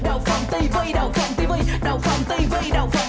đậu phộng ti vi đậu phộng ti vi đậu phộng